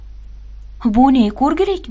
bu ne ko'rgulik